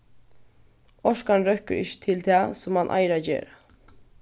orkan røkkur ikki til tað sum mann eigur at gera